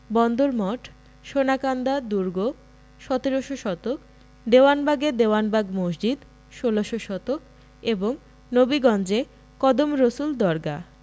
বন্দর মঠ সোনাকান্দা দুর্গ ১৭শ শতক দেওয়ানবাগে দেওয়ানবাগ মসজিদ ১৬শ শতক এবং নবীগঞ্জে কদম রসুল দরগাহ